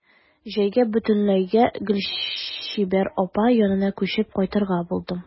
Җәйгә бөтенләйгә Гөлчибәр апа янына күчеп кайтырга булдым.